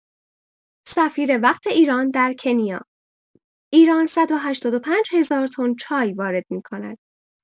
سفیر وقت ایران در کنیا: ایران ۱۸۵ هزار تن چای وارد می‌کند.